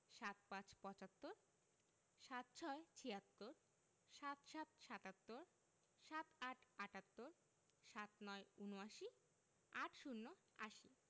৭৫ পঁচাত্তর ৭৬ ছিয়াত্তর ৭৭ সাতাত্তর ৭৮ আটাত্তর ৭৯ উনআশি ৮০ আশি